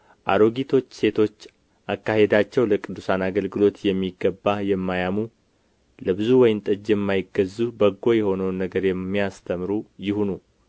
አሮጊቶች ሴቶች አካሄዳቸው ለቅዱስ አገልግሎት የሚገባ የማያሙ ለብዙ ወይን ጠጅ የማይገዙ በጎ የሆነውን ነገር የሚያስተምሩ ይሁኑ